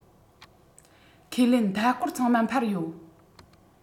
ཁས ལེན མཐའ སྐོར ཚང མ འཕར ཡོད